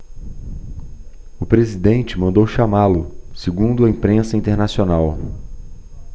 o presidente mandou chamá-lo segundo a imprensa internacional